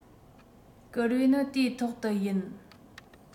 བསྐུར བའི ནི དུས ཐོག ཏུ ཡིན